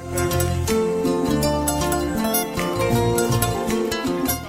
Sangɛnin yo yo yo